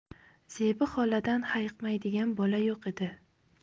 zebi xoladan hayiqmaydigan bola yo'q edi